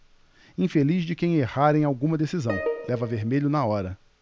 infeliz de quem errar em alguma decisão leva vermelho na hora